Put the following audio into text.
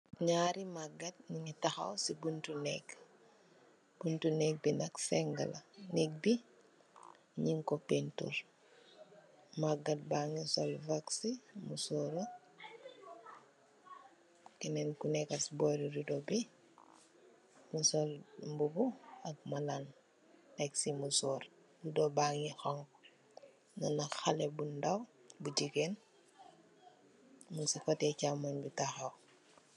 Nyarri maget nyungi takhaw ci bontu neek. Bontu neek bi nak sengu la, neek bi nyung ku paintur. Maget bangi sol vax ci mosor ru, kenen kuneka ci bori riddo bi mu sol mbobu ak malan tek ci musor bangi honxo. Amna haleh bu jigeen bu ndaw mung ci coteh chammoi bi tahaw.